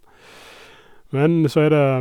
Men så er det...